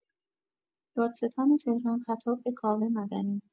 دادستان تهران خطاب به کاوه مدنی